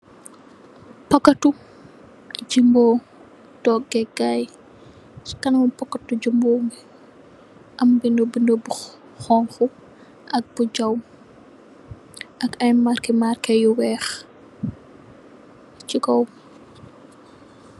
Packtu jumbo toge kai si kanami packetu jumbo bi am binda binda bu xonxu ak bu jaaw ak ay marke marke yu weex si kaw.